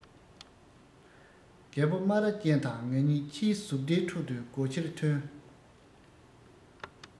རྒད པོ སྨ ར ཅན དང ང གཉིས ཁྱིའི ཟུག སྒྲའི ཁྲོད དུ སྒོ ཕྱིར ཐོན